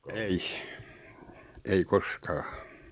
ei ei koskaan